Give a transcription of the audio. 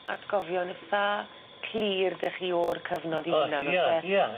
Atgofion itha clir 'dych chi o'r cyfnod 'i unan